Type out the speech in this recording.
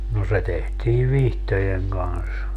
no se tehtiin vihtojen kanssa